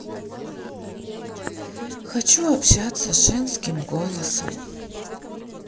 хочу общаться с женским голосом